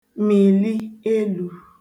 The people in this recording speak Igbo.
mị̀li elū